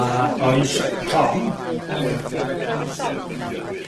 A o'ddi'n llong... Ia.